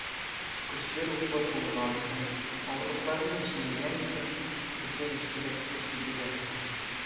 Көчле рухлы булгансың, авырлыкларны җиңгәнсең, безгә яшәргә көч биргәнсең.